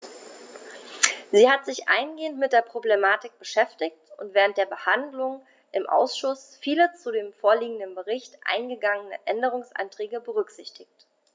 Sie hat sich eingehend mit der Problematik beschäftigt und während der Behandlung im Ausschuss viele zu dem vorliegenden Bericht eingegangene Änderungsanträge berücksichtigt.